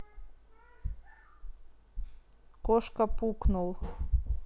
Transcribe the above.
кошка пукнул